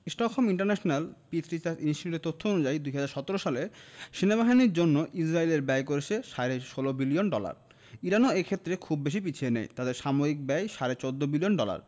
Stockholm International Peace Research ইনস্টিটিউটের তথ্য অনুযায়ী ২০১৭ সালে সেনাবাহিনীর জন্য ইসরায়েল ব্যয় করেছে সাড়ে ১৬ বিলিয়ন ডলার ইরানও এ ক্ষেত্রে খুব বেশি পিছিয়ে নেই তাদের সামরিক ব্যয় সাড়ে ১৪ বিলিয়ন ডলার